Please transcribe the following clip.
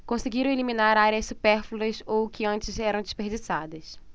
conseguiram eliminar áreas supérfluas ou que antes eram desperdiçadas